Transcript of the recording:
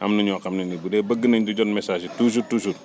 am na ñoo xam ne nii bu dee bëgg nañ di jot message yi toujours toujours